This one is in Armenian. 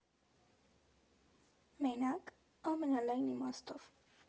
Մենակ՝ ամենալայն իմաստով։